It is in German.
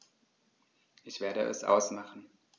Ich werde es ausmachen